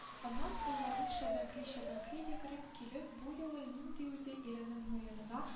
Аннан, кулларын чәбәкли-чәбәкли йөгереп килеп бу юлы инде үзе иренең муенына